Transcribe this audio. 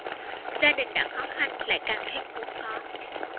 gia đình đã khó khăn lại càng thêm khốn khó